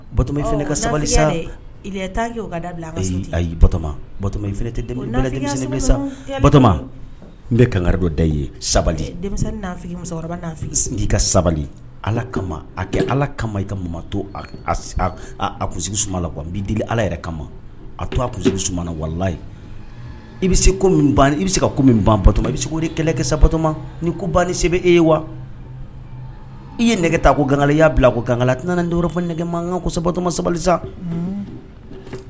Batof ka sabali sa da tɛ sa ba n bɛ kanga dɔ da ye sabali musokɔrɔba ka sabali ala kama a kɛ ala kama i ka to a kun suma la kuwa n bɛ di ala yɛrɛ kama a to a kun sumaumana walala ye i bɛ se ko i bɛ se ka min ban bato i bɛ se o kɛlɛ kɛ satoma ni ko ban sɛbɛn bɛ e ye wa i ye nɛgɛgeta ko ganga y'a bila a ko gangala tɛna n fɔ nɛgɛge mankanka kotɔma sabali sa